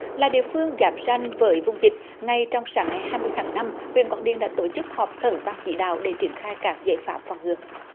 là địa phương giáp ranh với vùng dịch ngay trong sáng ngày hai mươi tháng năm huyện quảng điền đã tổ chức họp khẩn ban chỉ đạo để triển khai các giải pháp phòng ngừa